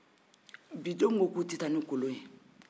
bi denw ko k'u tɛ taa ni kolon ye